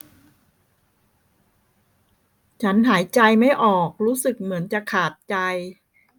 ฉันหายใจไม่ออกรู้สึกเหมือนจะขาดใจ